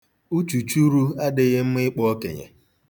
Uchùchurū adịghị mma ịkpọ okenye.